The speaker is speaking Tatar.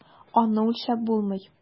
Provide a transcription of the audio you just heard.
Аны үлчәп булмый.